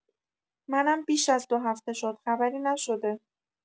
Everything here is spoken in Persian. منم بیش از دو هفته شد خبری نشده